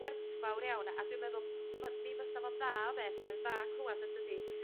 werthfawr iawn a a dw i'n meddwl b- my- mi fysa fo'n dda o beth a mae'n dda clwad yndydi?